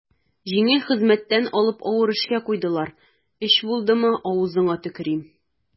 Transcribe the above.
Җиңел хезмәттән алып авыр эшкә куйдылар, өч булдымы, авызыңа төкерим.